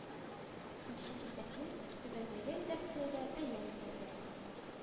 Нче кисәкне түбәндәге редакциядә бәян итәргә: